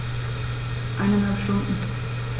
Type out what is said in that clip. Eineinhalb Stunden